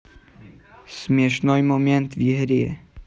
смешные моменты в игре